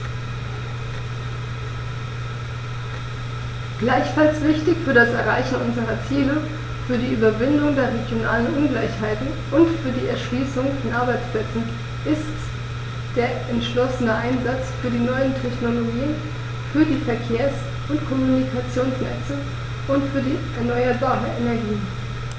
Gleichfalls wichtig für das Erreichen unserer Ziele, für die Überwindung der regionalen Ungleichheiten und für die Erschließung von Arbeitsplätzen ist der entschlossene Einsatz für die neuen Technologien, für die Verkehrs- und Kommunikationsnetze und für die erneuerbaren Energien.